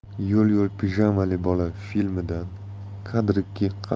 yo'l yo'l pijamali bola filmidan kadrikki